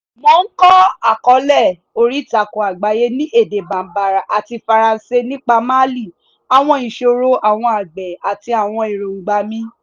Mò ń kọ àkọọ́lẹ̀ oríìtakùn àgbáyé ní èdè Bambara àti Faransé nípa Mali, àwọn ìṣòro àwọn àgbẹ̀, àti àwọn èròńgbà mi.